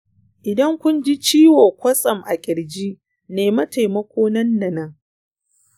idan kun ji ciwo kwatsam a kirji, nema taimako nan da nan.